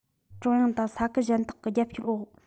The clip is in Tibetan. ཀྲུང དབྱང དང ས ཁུལ གཞན དག གི རྒྱབ སྐྱོར འོག